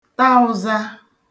ta ụ̄zā